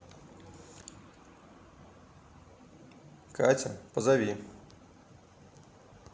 катя позови